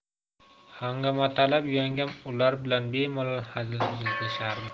hangomatalab yangam ular bilan bemalol hazil huzul qilishardi